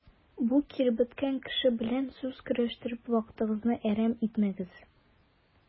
Бу киребеткән кеше белән сүз көрәштереп вакытыгызны әрәм итмәгез.